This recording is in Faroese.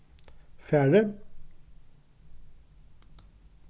fari